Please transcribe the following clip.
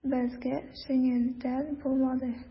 Безгә җиңелдән булмады.